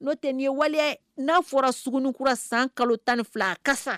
N'o tɛ ye waleya n'a fɔra sugunɛkura san kalo tan ni fila ka